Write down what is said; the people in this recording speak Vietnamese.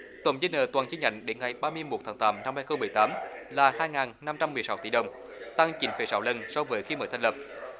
tổng dư nợ toàn chi nhánh đến ngày ba mươi mốt tháng tám năm hai không mười tám là hai ngàn năm trăm mười sáu tỷ đồng tăng chín phẩy sáu lần so với khi mới thành lập